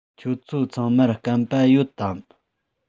ཁྱོད ཚོ ཚང མར སྐམ པ ཡོད དམ